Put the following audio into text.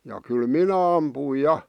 ja kyllä minä ammuin ja